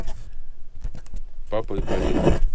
папа и полина